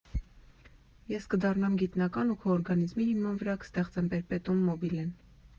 «Ես կդառնամ գիտնական ու քո օրգանիզմի հիման վրա կստեղծեմ պերպետուում մոբիլեն»։